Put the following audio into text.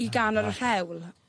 i ganol y rhewl.